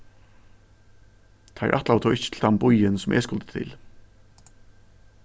teir ætlaðu tó ikki til tann býin sum eg skuldi eg til